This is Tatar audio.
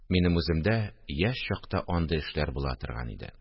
Минем үземдә яшь чакта андый эшләр була торган иде